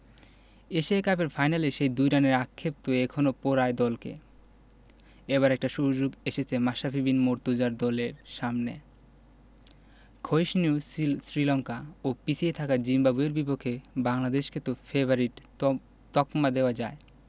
Asia কাপের ফাইনালের সেই ২ রানের আক্ষেপ তো এখনো পোড়ায় দলকে এবার একটা সুযোগ এসেছে মাশরাফি বিন মুর্তজার দলের সামনে ক্ষয়িষ্ণু শ্রীলঙ্কা ও পিছিয়ে থাকা জিম্বাবুয়ের বিপক্ষে বাংলাদেশকে তো ফেবারিট তকমা দেওয়াই যায়